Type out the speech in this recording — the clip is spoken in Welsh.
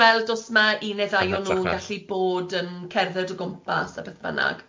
gweld os ma' un neu ddau o nhw'n gallu bod yn cerdded o gwmpas a beth bynnag.